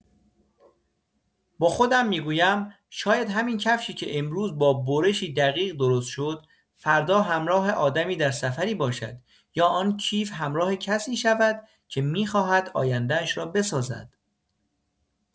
با خودم می‌گویم شاید همین کفشی که امروز با برشی دقیق درست شد، فردا همراه آدمی در سفری باشد یا آن کیف همراه کسی شود که می‌خواهد آینده‌اش را بسازد.